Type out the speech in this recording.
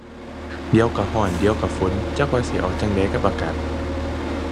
เดี๋ยวก็ก็ เดี๋ยวก็ฝน จักว่าสิเอาจั่งใดกับอากาศ